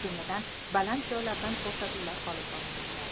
jumladan baland joylardan ko'rsatuvlar olib borilmoqda